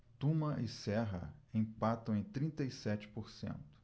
tuma e serra empatam em trinta e sete por cento